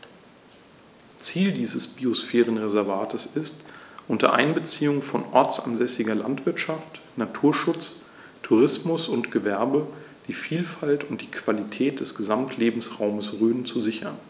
Ziel dieses Biosphärenreservates ist, unter Einbeziehung von ortsansässiger Landwirtschaft, Naturschutz, Tourismus und Gewerbe die Vielfalt und die Qualität des Gesamtlebensraumes Rhön zu sichern.